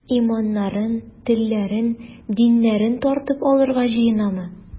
Иманнарын, телләрен, диннәрен тартып алырга җыенамы?